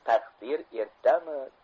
taqdir ertami